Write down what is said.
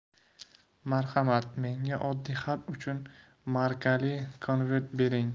marhamat menga oddiy xat uchun markali convert bering